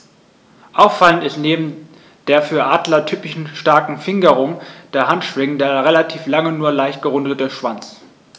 Auffallend ist neben der für Adler typischen starken Fingerung der Handschwingen der relativ lange, nur leicht gerundete Schwanz.